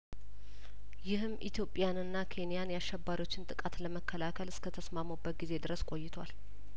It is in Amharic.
ይህም ኢትዮጵያንና ኬኒያን የአሽባሪዎችን ጥቃት ለመከላከል እስከተስማሙበት ጊዜ ድረስ ቆይቷል